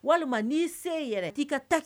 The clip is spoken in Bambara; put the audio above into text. Walima n'i se yɛrɛ'i ka ta